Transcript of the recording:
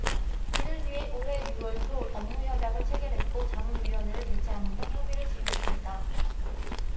이를 위해 올해 유 월 초 업무협약을 체결했고 자문위원회를 개최하는 등 협의를 진행 중이다